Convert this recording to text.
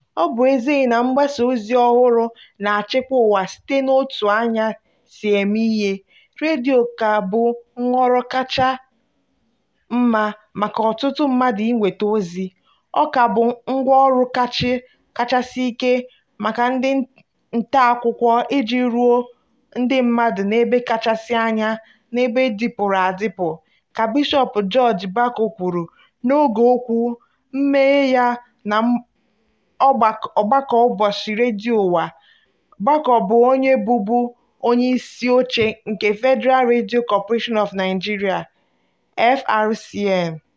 Ọ bụ ezie na mgbasa ozi ọhụrụ na-achịkwa ụwa site n'otú anyị si eme ihe, redio ka bụ nhọrọ kachasị mma maka ọtụtụ mmadụ ịnweta ozi, ọ ka bụ ngwaọrụ kachasị ike maka ndị nta akụkọ iji ruo ndị mmadụ n'ebe kachasị anya na n'ebe dịpụrụ adịpụ... ka Bishọp George Bako kwuru, n'oge okwu mmeghe ya na ogbako ụbọchị redio ụwa. Bako bụ onye bụbu onye isi oche nke Federal Radio Corporation of Nigeria (FRCN).